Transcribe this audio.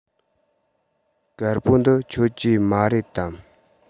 དཀར པོ འདི ཁྱོད ཀྱི མ རེད དམ